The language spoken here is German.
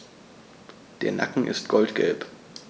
Der Nacken ist goldgelb.